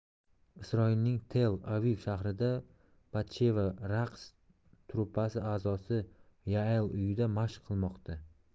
isroilning tel aviv shahrida batsheva raqs truppasi a'zosi yael uyida mashq qilmoqda